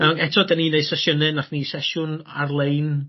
yym eto 'dyn ni' neud sesiyne nathon ni sesiwn ar-lein